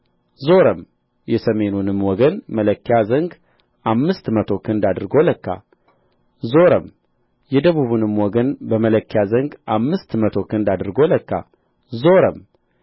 ዞረም የሰሜኑንም ወገን በመለኪያ ዘንግ አምስት መቶ ክንድ አድርጎ ለካ ዞረም የደቡቡንም ወገን በመለኪያ ዘንግ አምስት መቶ ክንድ አድርጎ ለካ ዞረም